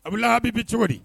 A a'i bi cogo di